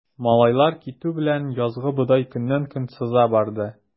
Малайлар китү белән, язгы боздай көннән-көн сыза барды.